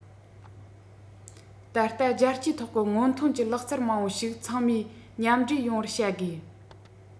ད ལྟ རྒྱལ སྤྱིའི ཐོག གི སྔོན ཐོན གྱི ལག རྩལ མང པོ ཞིག ཚང མས མཉམ འདྲེས ཡོང བར བྱ དགོས